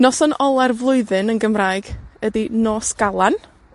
Noson ola'r flwyddyn yn Gymraeg ydi Nos Galan.